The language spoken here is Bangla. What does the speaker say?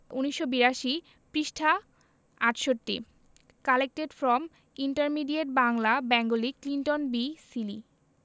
১৯৮২ পৃষ্ঠা ৬৮ collected from intermediate Bangla Bengali Clinton B Seely